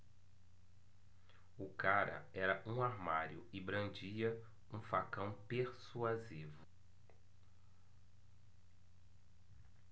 o cara era um armário e brandia um facão persuasivo